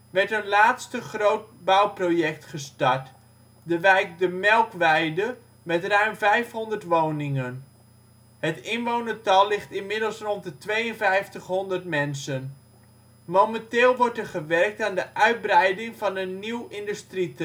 werd een laatste groot bouwproject gestart, de wijk " de Melkweide " met ruim 500 woningen. Het inwonertal ligt inmiddels rond de 5200 personen. Momenteel wordt er gewerkt aan de uitbreiding van een nieuw industrieterrein. Ten